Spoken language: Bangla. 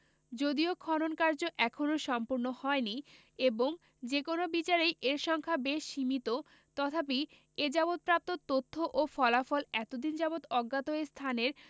যদিও খনন কার্য এখনও সম্পূর্ণ হয়নি এবং যে কোন বিচারেই এর সংখ্যা বেশ সীমিত তথাপি এ যাবৎ প্রাপ্ত তথ্য ও ফলাফল এতদিন যাবৎ অজ্ঞাত এই স্থানের